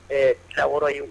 Ɛɛ ta wɔɔrɔ yen